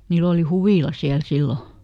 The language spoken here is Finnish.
niillä oli huvila siellä silloin